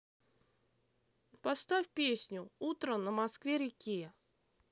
поставь песню утро на москве реке